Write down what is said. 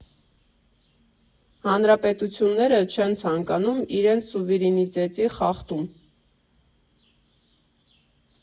Հանրապետությունները չեն ցանկանում իրենց սուվերենիտետի խախտում։